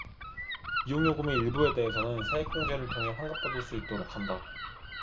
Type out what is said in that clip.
이용요금의 일부에 대해서는 세액공제를 통해 환급받을 수 있도록 한다